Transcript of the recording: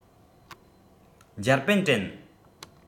འཇར པན དྲན